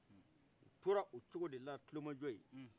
u tora o cogo dela kulomajɔ ye